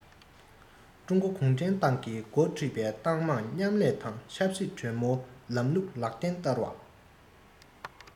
ཀྲུང གོ གུང ཁྲན ཏང གིས འགོ ཁྲིད པའི ཏང མང མཉམ ལས དང ཆབ སྲིད གྲོས མོལ ལམ ལུགས ལག ལེན བསྟར བ